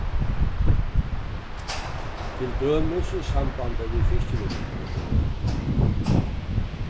til dømis í sambandi við fiskivinnupolitikk